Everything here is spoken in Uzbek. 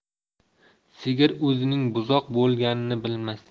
sigir o'zining buzoq bo'lganini bilmas